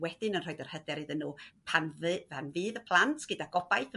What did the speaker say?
wedyn yn rhoid yr hyder iddyn n'w pan fedd- pan fydd fydd y plant gyda gobaith yn